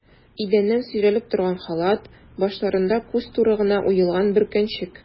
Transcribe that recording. Идәннән сөйрәлеп торган халат, башларында күз туры гына уелган бөркәнчек.